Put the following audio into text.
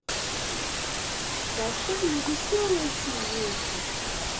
кафе на веселая семейка